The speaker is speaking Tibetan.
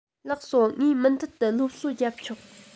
ལགས སོ ངས མུ མཐུད དུ སློབ གསོ རྒྱབ ཆོག